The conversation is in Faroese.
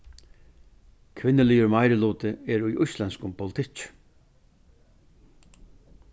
kvinnuligur meiriluti er í íslendskum politikki